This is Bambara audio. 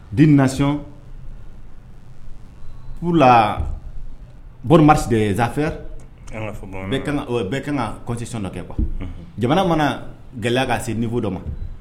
Di naon bɔ marisi zanafɛ bɛ kan kan sɔn dɔ kɛ kuwa jamana mana gɛlɛya' se ninfo dɔ ma